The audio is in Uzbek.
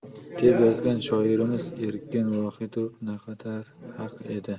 deb yozgan shoirimiz erkin vohidov naqadar haq edi